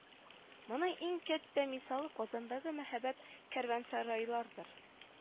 Моның иң кәттә мисалы казандагы мәһабәт кәрвансарайлардыр